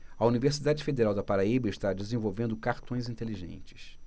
a universidade federal da paraíba está desenvolvendo cartões inteligentes